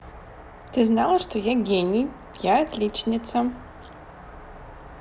ты знала что я гений я отличница